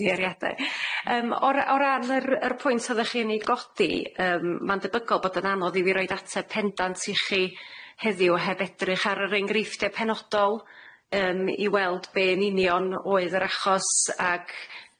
Ymddiheuriada, yym o'r o ran yr yr pwynt oddech chi yn ei godi yym ma'n debygol bod yn anodd i fi roid ateb pendant i chi heddiw heb edrych ar yr enghreifftiau penodol yym i weld be' yn union oedd yr achos ac